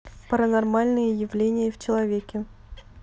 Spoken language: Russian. паранормальные явления в человеке